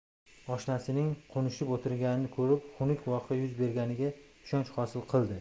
oshnasining qunishib o'tirganini ko'rib xunuk voqea yuz berganiga ishonch hosil qildi